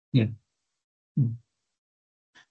Ie. Hmm.